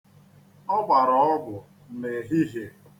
Ọ gbara ọgwụ n'ehihie.